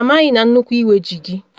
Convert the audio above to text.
“Ha amaghị na nnukwu iwe ji gị.